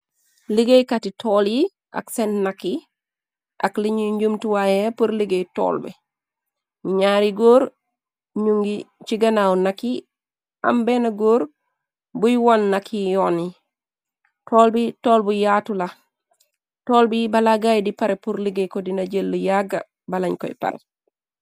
liggéeykat yi tool yi ak seen nakk yi ak liñuy njumtuwaaye pur liggéey toll bi ñu ñaari góor ñu ngi ci ganaaw nakk yi am benn góor buy won nak yi yoon yi tool bi toll bu yaatu la toll bi bala gaay di pare pur liggéey ko dina jëll yagga balañ koy pare